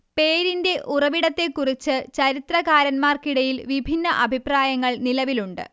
പേരിന്റെ ഉറവിടത്തെക്കുറിച്ച് ചരിത്രകാരന്മാർക്കിടയിൽ വിഭിന്ന അഭിപ്രായങ്ങൾ നിലവിലുണ്ട്